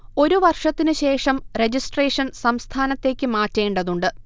ഒരു വർഷത്തിന് ശേഷം രജിസ്ഷ്രേൻ സംസ്ഥാനത്തേക്ക് മാറ്റേണ്ടതുണ്ട്